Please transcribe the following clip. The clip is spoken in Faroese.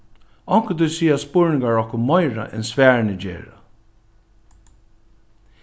onkuntíð siga spurningar okkum meira enn svarini gera